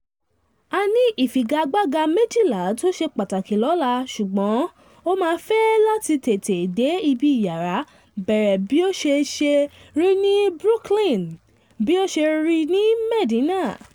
"A ní ìfigagbága 12 tó ṣe pàtàkì lóla, ṣùgbọ́n o máa fẹ́ láti tètè dé ibi ìyára bẹ̀rẹ̀ bí i ọ ṣe rí i ní Brookline, bí o ṣe rí i ní Medinah.